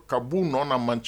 Kab'u nɔ man ci